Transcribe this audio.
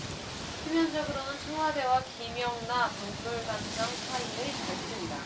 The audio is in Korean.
표면적으로는 청와대와 김영나 박물관장 사이의 갈등이다